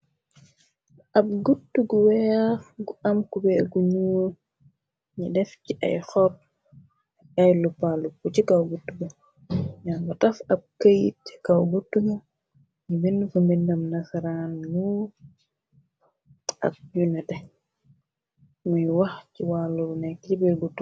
Lu ab gut gu weaf gu am kube gu ñu ni def ci ay xor ak ay lu pallu bu ci kaw gut gu nango taf ab këyit ci kaw but gu ni binn fu mbindam nasaraan nu ak yu nete muy wax ci wàllulu nekk ci birgutt.